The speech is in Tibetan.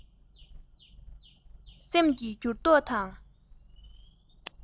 སེམས ཀྱི འགྱུར ལྡོག དང